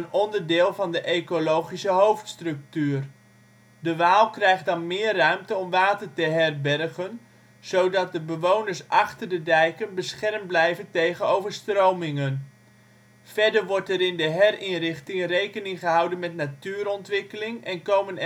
onderdeel van de ecologische hoofdstructuur. De Waal krijgt dan meer ruimte om water te herbergen, zodat de bewoners achter de dijken beschermd blijven tegen overstromingen. Verder wordt er in de herinrichting rekening gehouden met natuurontwikkeling en komen